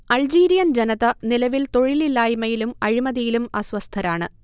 Algerian ജനത നിലവിൽ തൊഴിലില്ലായ്മയിലും അഴിമതിയിലും അസ്വസ്ഥരാണ്